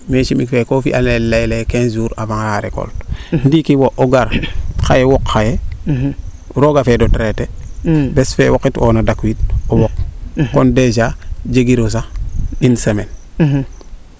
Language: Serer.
mais chimique fee ko fiyan leyele 15 jours avant la recolte ndiiki wo o gar xaye woq xaye rooga feed o traiter bes fee woqit ooda daq wiid o woq kon dejas jegiro sax une semaine